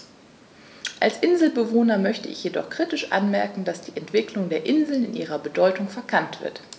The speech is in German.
Als Inselbewohner möchte ich jedoch kritisch anmerken, dass die Entwicklung der Inseln in ihrer Bedeutung verkannt wird.